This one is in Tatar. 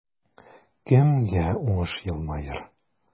Кемгә уңыш елмаер?